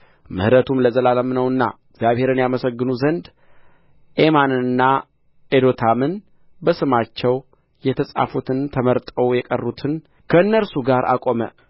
ምህረቱም ለዘላለም ነውና እግዚአብሔርን ያመሰግኑ ዘንድ ኤማንንና ኤዶታምን በስማቸውም የተጻፉትን ተመርጠው የቀሩትን ከእነርሱ ጋር አቆመ